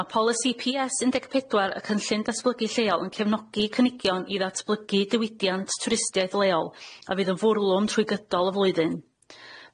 Ma' polisi Pee Ess un deg pedwar y cynllun datblygu lleol yn cefnogi cynigion i ddatblygu diwydiant twristiaeth leol a fydd yn fwrlwm trwy gydol y flwyddyn.